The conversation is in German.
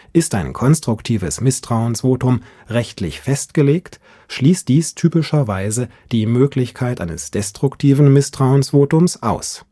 Ist ein konstruktives Misstrauensvotum rechtlich festgelegt, schließt dies typischerweise die Möglichkeit eines destruktiven Misstrauensvotums aus